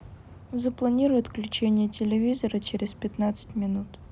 запланируй отключение телевизора через пятнадцать минут